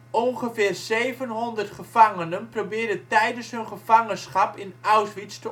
Ongeveer zevenhonderd gevangenen probeerden tijdens hun gevangenschap in Auschwitz